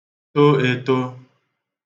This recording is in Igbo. to etō